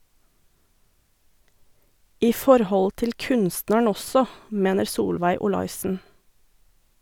I forhold til kunstneren også, mener Solveig Olaisen.